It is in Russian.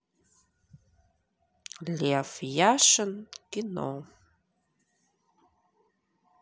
лев яшин кино